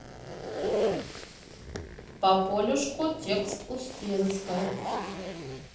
по полюшку текст успенская